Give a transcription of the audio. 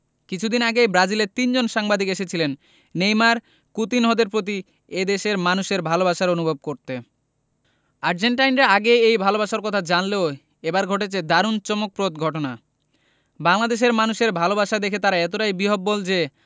কিছুদিন আগেই ব্রাজিলের তিনজন সাংবাদিক এসেছিলেন নেইমার কুতিনহোদের প্রতি এ দেশের মানুষের ভালোবাসা অনুভব করতে আর্জেন্টাইনরা আগেই এই ভালোবাসার কথা জানলেও এবার ঘটেছে দারুণ চমকপ্রদ ঘটনা বাংলাদেশের মানুষের ভালোবাসা দেখে তারা এতটাই বিহ্বল যে